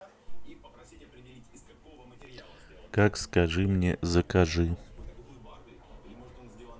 как скажи мне закажи